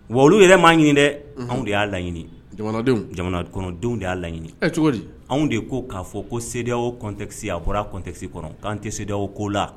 Wa olu yɛrɛ' ɲini dɛ anw de y'a laɲinidenwdenw de y'a laɲini cogodi anw de ko k'a fɔ ko se o kɔntɛtigi a kɔrɔ kɔntɛse kɔnɔ'an tɛ se o ko la